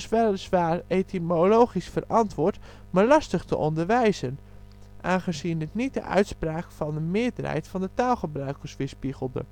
weliswaar etymologisch verantwoord, maar lastig te onderwijzen, aangezien het niet de uitspraak van een meerderheid van de taalgebruikers weerspiegelde